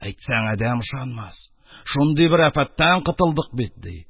Әйтсәң, адәм ышанмас, шундый бер афәттән котылдык бит, ди...